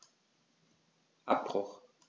Abbruch.